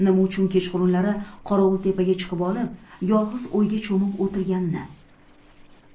nima uchun kechqurunlari qorovultepaga chiqib olib yolg'iz o'yga cho'mib o'tirganini